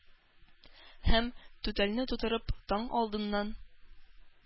Һәм, түтәлне тутырып, таң алдыннан